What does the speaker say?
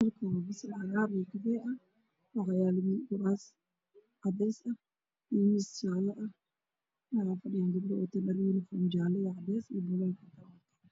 Waa school waxaa jooga gabdho waataan xijaabo jaalo